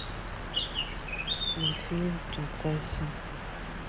мультфильм принцесса